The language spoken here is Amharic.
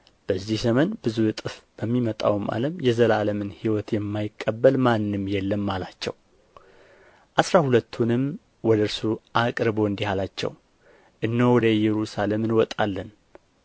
በዚህ ዘመን ብዙ እጥፍ በሚመጣውም ዓለም የዘላለምን ሕይወት የማይቀበል ማንም የለም አላቸው አሥራ ሁለቱንም ወደ እርሱ አቅርቦ እንዲህ አላቸው እነሆ ወደ ኢየሩሳሌም እንወጣለን